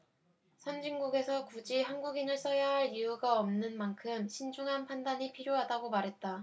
선진국에서 굳이 한국인을 써야할 이유가 없는 만큼 신중한 판단이 필요하다고 말했다